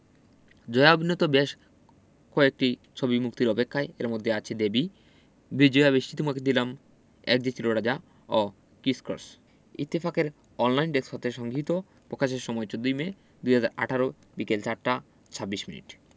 জয়া অভিনীত বেশ কয়েকটি ছবি মুক্তির অপেক্ষায় এর মধ্যে আছে দেবী বিজয়া বিষ্টি তোমাকে দিলাম এক যে ছিল রাজা ও কিস ক্রস ইত্তেফাক এর অনলাইন ডেক্স হতে সংগিহীত পকাশের সময় ১৪মে ২০১৮ বিকেল ৪টা ২৬ মিনিট